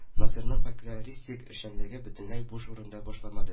Насыйриның фольклористик эшчәнлеге бөтенләй буш урында башланмады